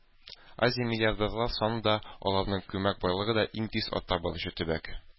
Азия – миллиардерлар саны да, аларның күмәк байлыгы да иң тиз арта баручы төбәк.